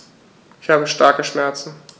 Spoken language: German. Ich habe starke Schmerzen.